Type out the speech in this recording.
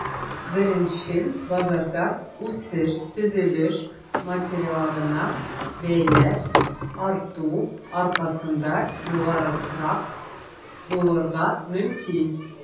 Беренчел базарда үсеш төзелеш материалларына бәяләр арту аркасында югарырак булырга мөмкин.